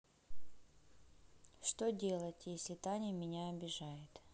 что делать если таня меня обижает